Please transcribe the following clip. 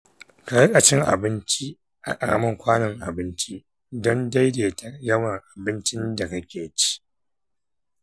ka riƙa cin abinci a ƙaramin kwanon abinci don daidaita yawan abincin da kake ci.